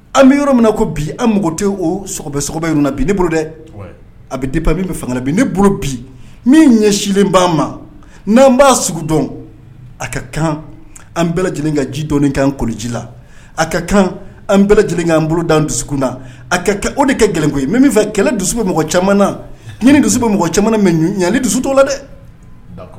An bɛ yɔrɔ min ko bi an tɛ obɛ ne bolo dɛ a bɛ di pabi fanga ne bolo bi min ɲɛ silen b'an ma n'an b'a sugu dɔn a ka kan an bɛɛ lajɛlen ka ji dɔnni kaan koloji la a ka kan an bɛɛ lajɛlen'an bolo dan dusu kun na a o de kɛ gɛlɛn koyi ye min fɛ kɛlɛ dusu bɛ mɔgɔ caman na ni ni dusu bɛ mɔgɔ caman min ɲa ni dusutɔ la dɛ